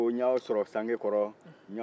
dɔ ko n y'aw sɔrɔ sanke kɔrɔ